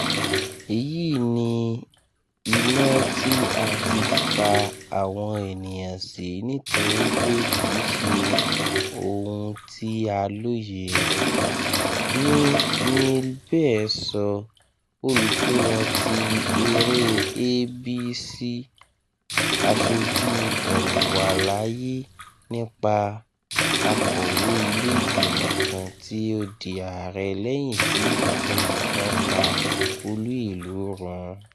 "Eyi ni ina ti a ti fa awọn eniyan si nitoripe kiiṣe ohun ti a loye rẹ," ni Neal Baer sọ, olufihan ti ere ABC "Aṣoju Onwalaye," nipa akọwe ile-igbimọ kan ti o di arẹ lẹhin ti ikolu kan pa Olu-ilu run.